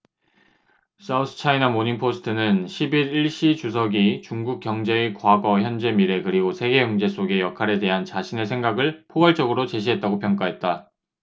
사우스차이나모닝포스트는 십 일 일 시 주석이 중국 경제의 과거 현재 미래 그리고 세계경제 속 역할에 대한 자신의 생각을 포괄적으로 제시했다고 평가했다